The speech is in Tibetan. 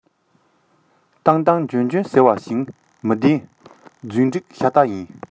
བཏང བཏང འཇོན འཇོན ཟེར བ བྱིངས མི བདེན རྫུན སྒྲིག ཤ སྟག ཡིན